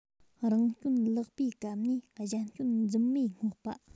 རང སྐྱོན ལག པས བཀབ ནས གཞན སྐྱོན མཛུབ མོས སྔོག པ